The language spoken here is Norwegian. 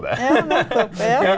ja nettopp ja.